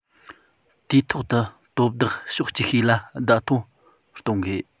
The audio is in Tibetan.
དུས ཐོག ཏུ དོ བདག ཕྱོགས ཅིག ཤོས ལ བརྡ ཐོ གཏོང དགོས